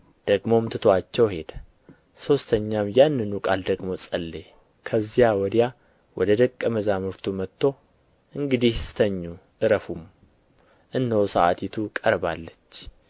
ደግሞም ትቶአቸው ሄደ ሦስተኛም ያንኑ ቃል ደግሞ ጸለየ ከዚያ ወዲያ ወደ ደቀ መዛሙርቱ መጥቶ እንግዲህስ ተኙ ዕረፉም እነሆ ሰዓቲቱ ቀርባለች